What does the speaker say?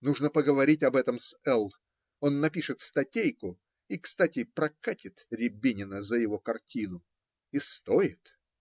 Нужно поговорить об этом с Л. , он напишет статейку и кстати прокатит Рябинина за его картину. И стоит.